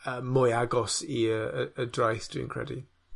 yy mwy agos i y y y draeth, dwi'n credu.